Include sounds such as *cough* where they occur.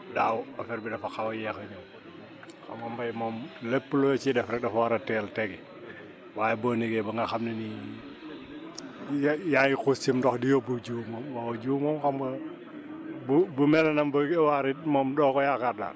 daaw affaire bi dafa xaw a yéex xam nga mbéy moom lépp loo ciy def rek dafa war a teel teggi waaye boo négee ba nga xam ne nii *smacks lips* yaa yaa ngi xuus cib ndox di yóbbul jiw moom waxoo jiw moom xam nga bu bu meloon nam bu ** moom doo ko yaakaar daal